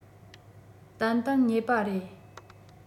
ཏན ཏན རྙེད པ རེད